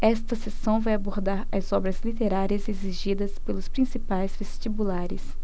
esta seção vai abordar as obras literárias exigidas pelos principais vestibulares